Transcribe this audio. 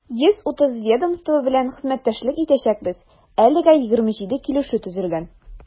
130 ведомство белән хезмәттәшлек итәчәкбез, әлегә 27 килешү төзелгән.